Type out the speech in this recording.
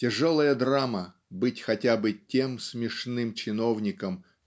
Тяжелая драма --- быть хотя бы тем смешным чиновником